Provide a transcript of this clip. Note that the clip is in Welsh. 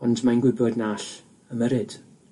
ond mae'n gwybod na all ymyrryd.